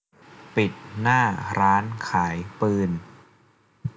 ปิดหน้าร้านขายปืน